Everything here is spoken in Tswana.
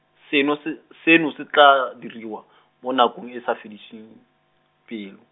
seno se, seno se tla diriwa , mo nakong e sa fediseng pelo.